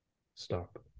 Stop.